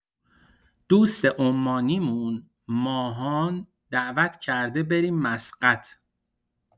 دوست عمانیمون، ماهان، دعوت کرده بریم مسقط.